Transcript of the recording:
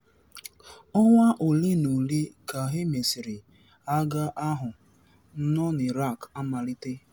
Ọnwa ole na ole ka e mesịrị, Agha Ahụ nọ n'Iraq amalite.